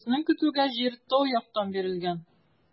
Безнең көтүгә җир тау яктан бирелгән.